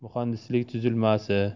muhandislik tuzilmasi